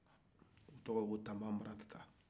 a tɔgɔ ko tamba maratata